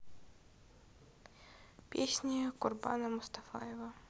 песни курбана мустафаева